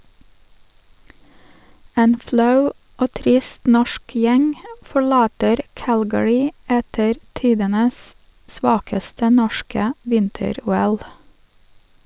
En flau og trist norsk gjeng forlater Calgary etter tidenes svakeste norske vinter-OL.